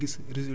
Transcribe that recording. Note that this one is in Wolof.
mu bay ci